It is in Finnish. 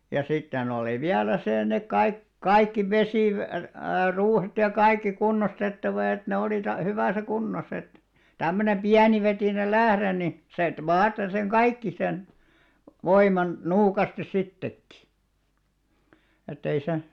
ja sitten oli vielä se ne - kaikki - vesiruuhet ja kaikki kunnostettava että ne oli - hyvässä kunnossa että tämmöinen pienivetinen lähde niin sen vaati sen kaikki sen voiman nuukasti sittenkin että ei se